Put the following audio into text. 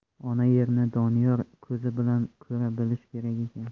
ona yerni doniyor ko'zi bilan ko'ra bilish kerak ekan